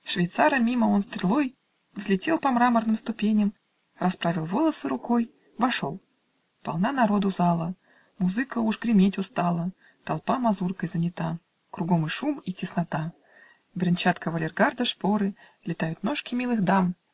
Швейцара мимо он стрелой Взлетел по мраморным ступеням, Расправил волоса рукой, Вошел. Полна народу зала Музыка уж греметь устала Толпа мазуркой занята Кругом и шум и теснота Бренчат кавалергарда шпоры Летают ножки милых дам